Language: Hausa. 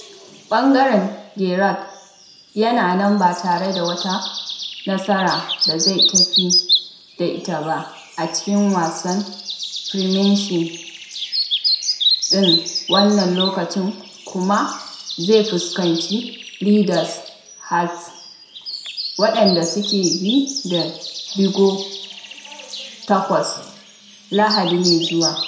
Ɓangaren Gerrard yana nan ba tare da wata nasara da zai ta fi da ita ba a cikin wasan Premiership ɗin wannan loƙacin kuma zai fuskanci Leaders Hearts, waɗanda suke bi da digo takwas, Lahadi mai zuwa.